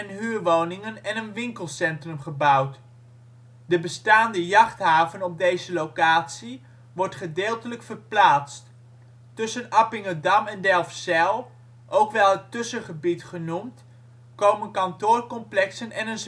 huurwoningen en een winkelcentrum gebouwd. De bestaande jachthaven op deze locatie wordt gedeeltelijk verplaatst. Tussen Appingedam en Delfzijl, ook wel het Tussengebied genoemd, komen kantoorcomplexen en